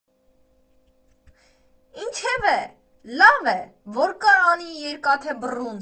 Ինչևէ, լավ է, որ կար Անիի երկաթե բռունցքը։